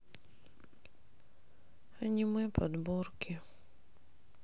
аниме подборки